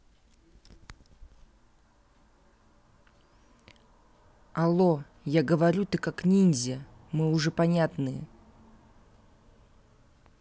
алло я говорю ты как ninja мы уже понятные